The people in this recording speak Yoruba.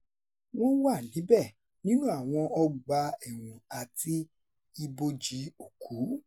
WỌ́N WÀ NÍBẸ̀: NÍNÚ ÀWỌN ỌGBÀ Ẹ̀WỌ̀N ÀTI IBOJÌ-ÒKÚ.